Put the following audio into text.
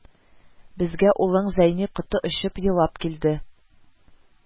Безгә улың Зәйни коты очып елап килде